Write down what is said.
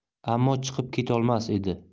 ammo chiqib ketolmas edi